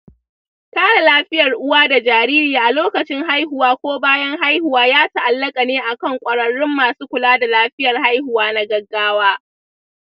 kare lafiyar uwa da jariri a lokacin haihuwa ko bayan haihuwa ya ta'allaka ne akan kwararrun masu kula da lafiyar haihuwa na gaggawa.